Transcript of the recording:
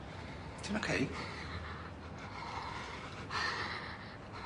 Ti'n ocê?